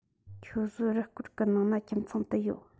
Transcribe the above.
ཁྱོད བཟོའི རུ སྐོར གི ནང ན ཁྱིམ ཚང དུ ཡོད